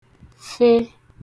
fe